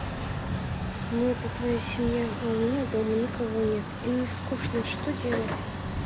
ну это твоя семья а у меня дома никого нет и мне скучно что делать